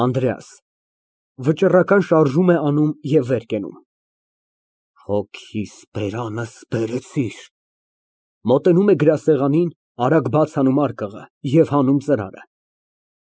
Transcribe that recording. ԱՆԴՐԵԱՍ ֊ (Վճռական շարժում է անում և վեր կենում) Հոգիս բերանս բերեցիր։ (Մոտենում է գրասեղանին, արագ բաց է անում արկղը և ծրարը հանում)։